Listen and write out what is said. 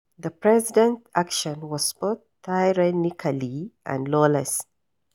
The president's action was both tyrannical and lawless.